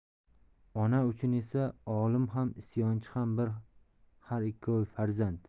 ona uchun esa olimi ham isyonchisi ham bir har ikkovi farzand